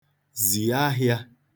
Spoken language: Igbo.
zì ahịā